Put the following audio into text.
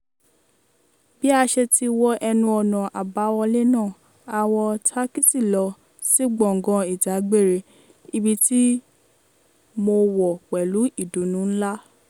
Bí a ṣe ti wọ ẹnu ọ̀nà àbáwọlé náà, a wọ takisí lọ sí gbọ̀ngán ìdágbére, ibi tí mo wọ̀ pẹ̀lú ìdùnnú ńlá.